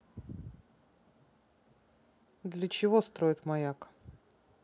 для чего строят маяк